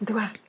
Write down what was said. On'd yw e?